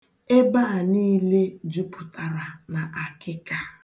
Ebe a niile jupụtara na akịka